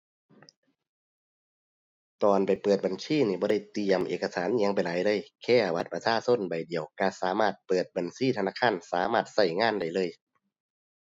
ตอนไปเปิดบัญชีนี่บ่ได้เตรียมเอกสารอิหยังไปหลายเลย แค่บัตรประชาชนใบเดียวก็สามารถเปิดบัญชีธนาคาร สามารถก็งานได้เลย